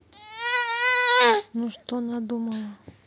ну что надумала